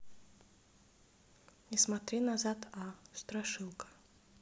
не смотри назад а страшилка